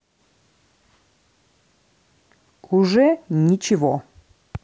уже ничего